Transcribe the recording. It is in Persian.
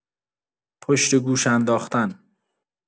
پشت گوش انداختن